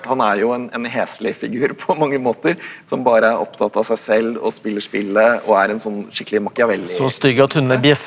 han er jo en en heslig figur på mange måter som bare er opptatt av seg selv og spiller spillet og er en sånn skikkelig Machiavelli-skikkelse.